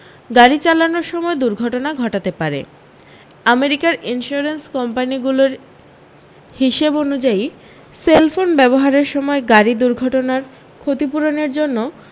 গাড়ী চালানোর সময় দুর্ঘটনা ঘটাতে পারে আমেরিকার ইনসিওরেন্স কোম্পানিগুলির হিসেব অনু্যায়ী সেলফোন ব্যবহারের সময় গাড়ী দুর্ঘটনার ক্ষতিপূরণের জন্যে